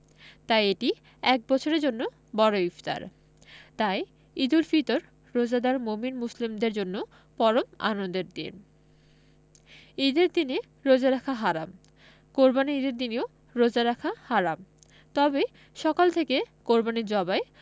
তাই এটি এক বছরের জন্য বড় ইফতার তাই ঈদুল ফিতর রোজাদার মোমিন মুসলিমদের জন্য পরম আনন্দের দিন ঈদের দিনে রোজা রাখা হারাম কোরবানির ঈদের দিনেও রোজা রাখা হারাম তবে সকাল থেকে কোরবানি জবাই